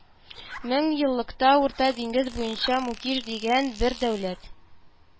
Мең еллыкта урта диңгез буенда мукиш дигән бер дәүләт